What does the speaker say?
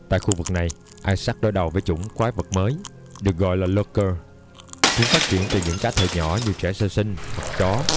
tại khu vực này isaac đối đầu với chủng quái vật mới được gọi là lurker chúng phát triển từ những cá thể nhỏ như trẻ sơ sinh hoặc chó